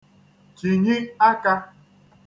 chị̀nyi akā